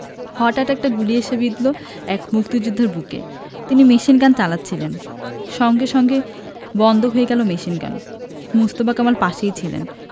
হতাৎ একটা গুলি এসে বিঁধল এক মুক্তিযোদ্ধার বুকে তিনি মেশিনগান চালাচ্ছিলেন সঙ্গে সঙ্গে বন্ধ হয়ে গেল মেশিনগান মোস্তফা কামাল পাশেই ছিলেন